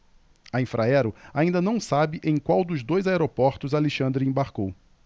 a infraero ainda não sabe em qual dos dois aeroportos alexandre embarcou